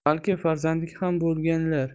balki farzandlik ham bo'lganlar